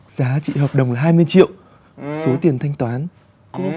giá trị hợp đồng hai mươi triệu số tiền thanh toán